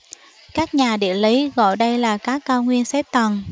các nhà địa lý gọi đây là các cao nguyên xếp tầng